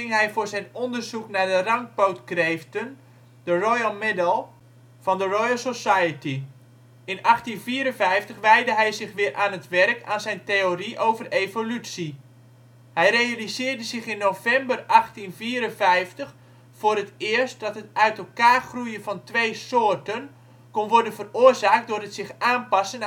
hij voor zijn onderzoek naar rankpootkreeften de Royal Medal van de Royal Society. In 1854 wijdde hij zich weer aan het werk aan zijn theorie over evolutie. Hij realiseerde zich in november 1854 voor het eerst dat het uit elkaar groeien van twee soorten kon worden veroorzaakt door het zich aanpassen